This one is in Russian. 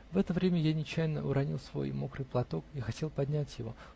В это время я нечаянно уронил свой мокрый платок и хотел поднять его